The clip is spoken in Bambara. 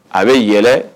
A bɛ yɛrɛ dɛ